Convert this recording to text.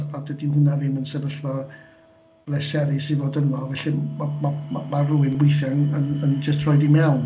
A dydi hwnna ddim yn sefyllfa bleserus i fod ynddo, felly ma' ma' ma' ma' rywun weithiau yn yn yn jyst rhoid i mewn.